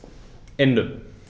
Ende.